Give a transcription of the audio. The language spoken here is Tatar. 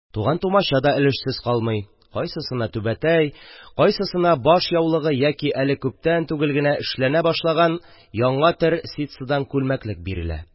Туган-тумача да өлешсез калмый: кайсына түбәтәй, кайсына баш яулыгы яки әле күптән түгел генә эшләнә башлаган яңа төр ситсыдан күлмәклек бирелә.